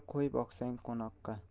qo'y boqsang qo'noqqa